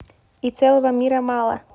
и целого мира мало